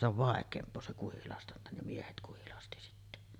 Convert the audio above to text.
se on vaikeampaa se kuhilastanta ne miehet kuhilasti sitten